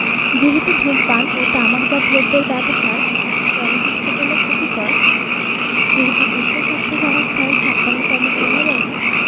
যেহেতু ধূমপান ও তামাকজাত দ্রব্যের ব্যবহার জনস্বাস্থ্যের জন্য ক্ষতিকর যেহেতু বিশ্বস্বাস্থ্য সংস্থার ৫৬তম সম্মেলনে